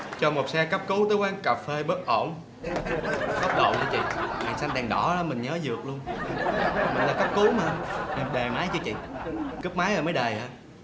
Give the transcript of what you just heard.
cho một xe cấp cứu tới quán cà phê bất ổn tốc độ nhe chị đèn xanh đèn đỏ đó mình nhớ dược luôn mình đang cấp cứu mà đề máy chưa chị cúp máy rồi mới để hả